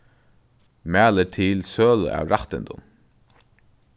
mælir til sølu av rættindum